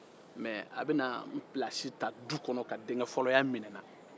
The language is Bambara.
mɛ a bɛna n pilasi ta du kɔnɔ ka denkɛfɔlɔya minɛ n na